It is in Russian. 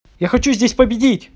я хочу здесь победить